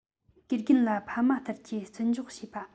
དགེ རྒན ལ ཕ མ ལྟར གྱི རྩིས འཇོག བྱེད པ